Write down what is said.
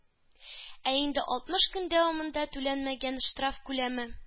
Ә инде алтмыш көн дәвамында түләнмәгән штраф күләме,